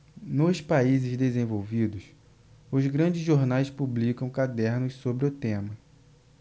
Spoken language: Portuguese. nos países desenvolvidos os grandes jornais publicam cadernos sobre o tema